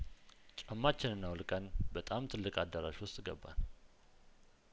ጫማችንን አውል ቀን በጣም ትልቅ አዳራሽ ውስጥ ገባን